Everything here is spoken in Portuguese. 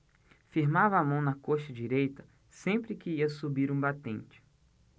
firmava a mão na coxa direita sempre que ia subir um batente